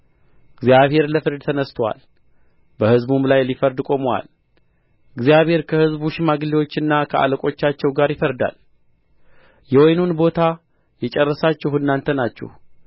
እግዚአብሔር ለፍርድ ተነሥቶአል በሕዝቡም ላይ ሊፈርድ ቆሞአል እግዚአብሔር ከሕዝቡ ሽማግሌዎችና ከአለቆቻቸው ጋር ይፋረዳል የወይኑን ቦታ የጨረሳችሁ እናንተ ናችሁ